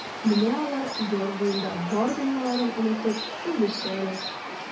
Менә алар яр буенда бар дөньяларын онытып үбешәләр.